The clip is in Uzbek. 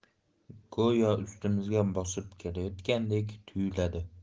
go'yo ustimizga bosib kelayotgandek tuyulardi